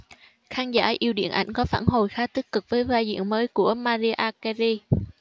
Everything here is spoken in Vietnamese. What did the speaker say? khán giả yêu điện ảnh có phản hồi khá tích cực với vai diễn mới của mariah carey